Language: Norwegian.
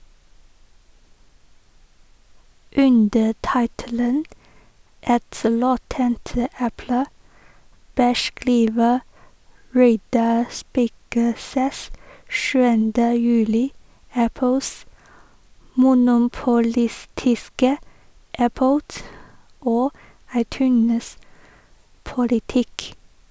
Under tittelen «Et råttent eple» beskriver Reidar Spigseth 7. juli Apples monopolistiske iPod- og iTunes-politikk.